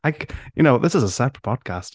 Like, you know, this is a separate podcast.